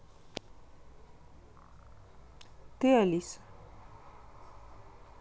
ты алиса